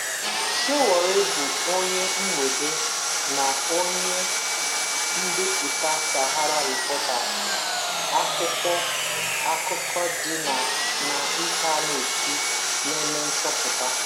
Sowore bụ onye mwube na onye mbipụta SaharaReporters (SR), akwụkwọ akụkọ dị n'ịntaneetị na-eme nchọpụta.